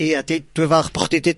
Ie di- dwi falch bo' chdi 'di